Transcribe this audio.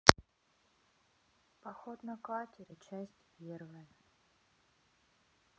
поход на катере часть первая